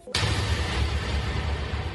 San